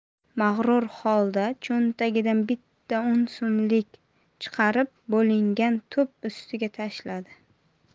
mag'rur holda cho'ntagidan bitta o'n so'mlik chiqarib bo'lingan to'p ustiga tashladi